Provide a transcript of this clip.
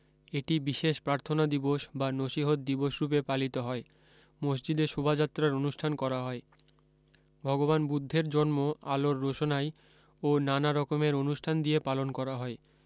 এটি বিশেষ প্রার্থনা দিবস বা নসিহত দিবস রূপে পালিত হয় মসজিদে শোভাযাত্রার অনুষ্ঠান করা হয় ভগবান বুদ্ধের জন্ম আলোর রোশনাই ও নানা রকমের অনুষ্ঠান দিয়ে পালন করা হয়